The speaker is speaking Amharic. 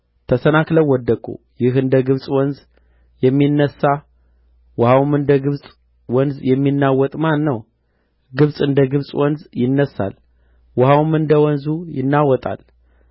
ተሰናክለው ወደቁ ይህ እንደ ግብጽ ወንዝ የሚነሣ ውኃውም እንደ ወንዝ የሚናወጥ ማን ነው ግብጽ እንደ ግብጽ ወንዝ ይነሳል ውኃውም እንደ ወንዙ ይናወጣል